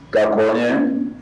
Ka ko ye